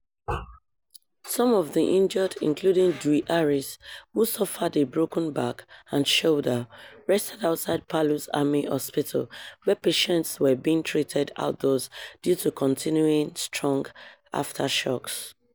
Some of the injured, including Dwi Haris, who suffered a broken back and shoulder, rested outside Palu's Army Hospital, where patients were being treated outdoors due to continuing strong aftershocks.